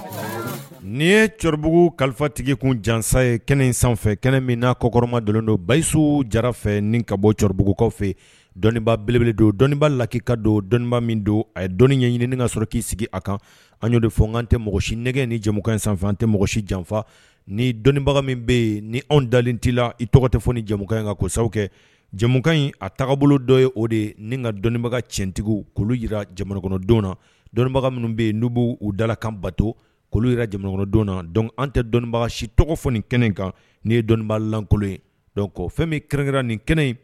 Nin ye cɛkɔrɔbabugu kalifatigi kun sanfɛ kɛnɛ min kɔkɔrɔma dɔ don baso jara fɛ ni ka bɔ cɛkɔrɔbabugu fɛ dɔnnibaa bele don dɔnniibaga lakika don dɔnni don a ye dɔnni ɲini ka sɔrɔ k i sigi a kan an'o fɔkan tɛ mɔgɔ si nɛgɛ ni in sanfɛ tɛ si janfa ni dɔnniibaga bɛ yen ni anw dalen t' la i tɔgɔ tɛ fɔ nikan in ka kosaw kɛkan in a taabolo bolo dɔw ye o de ni ka dɔnniibaga cɛntigi kolo jira jamanakɔnɔdon na dɔnnibaga minnu bɛ nbu u dala kan bato kolo yɛrɛ jamanakɔnɔdon na an tɛ dɔnniibaga si tɔgɔ ni kɛnɛ kan ni ye dɔnnibaga lankolon ye fɛn kɛrɛnkɛ nin kɛnɛ in